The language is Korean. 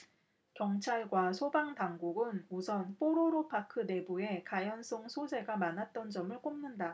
경찰과 소방당국은 우선 뽀로로 파크 내부에 가연성 소재가 많았던 점을 꼽는다